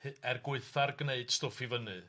he- er gwaetha'r gneud stwff i fyny.